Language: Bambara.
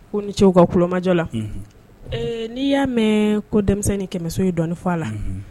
Ko ni ce ka kumajɔ la n'i y'a mɛn ko denmisɛnnin kɛmɛso ye dɔnfɔ la